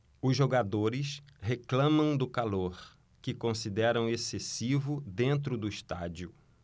os jogadores reclamam do calor que consideram excessivo dentro do estádio